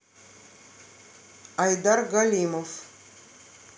айдар галимов